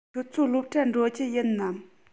ཁྱོད ཚོ སློབ གྲྭར འགྲོ རྒྱུ ཡིན ནམ